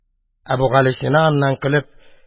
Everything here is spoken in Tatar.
Әбүгалисина, аннан көлеп